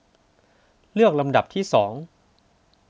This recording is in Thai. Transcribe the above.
เลือกลำดับที่สอง